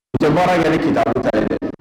U tɛ baara kɛ ni kitabu ta ye dɛ !